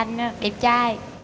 anh đẹp trai